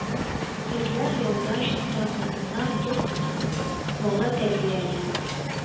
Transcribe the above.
Ирләр яуда чакта хатыннар йорт тота, бала тәрбияли.